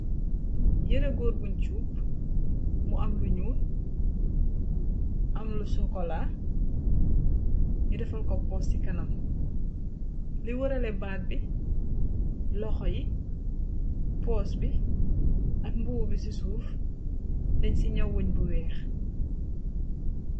Yëree góor buñ cuup, mu am lu ñuul, am lu sokola, ñu defal ko poos si kanam, li warale baat bi, loxo yi, poos bi ak mbuuw bi si suuf dañ ci ñaw wuñ bu weex